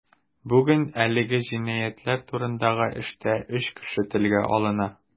Бүген әлеге җинаятьләр турындагы эштә өч кеше телгә алына.